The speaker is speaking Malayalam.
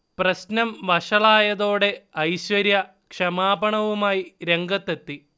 പ്രശ്നം വഷളായതോടെ ഐശ്വര്യ ക്ഷമാപണവുമായി രംഗത്ത് എത്തി